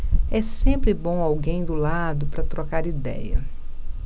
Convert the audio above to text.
é sempre bom alguém do lado para trocar idéia